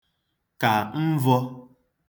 kà mvọ̄